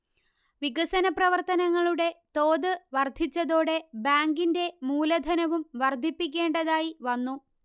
വികസന പ്രവർത്തനങ്ങളുടെ തോത് വർധിച്ചതോടെ ബാങ്കിന്റെ മൂലധനവും വർധിപ്പിക്കേണ്ടതായിവന്നു